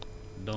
huit pour cent